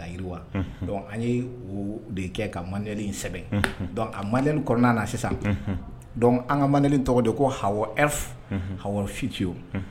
An ye de kɛ ka man sɛbɛn a ma kɔnɔna na sisan an ka ma tɔgɔ de ko ha fiti o